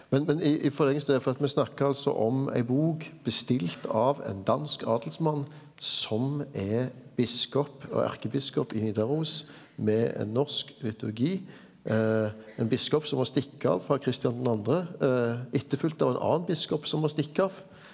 men men i i forlenginga av det for at me snakka altså om ei bok bestilt av ein dansk adelsmann som er biskop erkebiskop i Nidaros med ein norsk liturgi ein biskop som må stikke av frå Christian den andre etterfølgt av ein annan biskop som må stikke av.